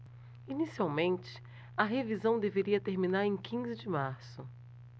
inicialmente a revisão deveria terminar em quinze de março